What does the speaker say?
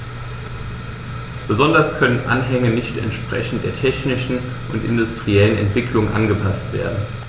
Insbesondere können Anhänge nicht entsprechend der technischen und industriellen Entwicklung angepaßt werden.